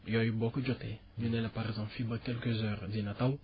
yooyu boo ko jotee ñu ne la par exemple fii ba quelques heures dina taw